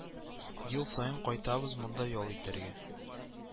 Ел саен кайтабыз монда ял итәргә